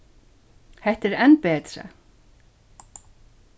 hetta er enn betri